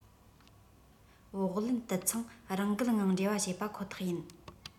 བོགས ལེན དུད ཚང རང འགུལ ངང འབྲེལ བ བྱེད པ ཁོ ཐག ཡིན